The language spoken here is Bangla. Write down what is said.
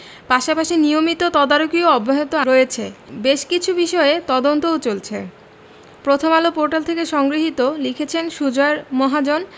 পাশাপাশি নিয়মিত তদারকিও অব্যাহত রয়েছে বেশ কিছু বিষয়ে তদন্ত ও চলছে প্রথমআলো পোর্টাল হতে সংগৃহীত লিখেছেন সুজয় মহাজন